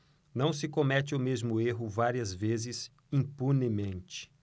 não se comete o mesmo erro várias vezes impunemente